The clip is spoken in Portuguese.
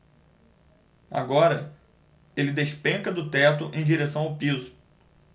agora ele despenca do teto em direção ao piso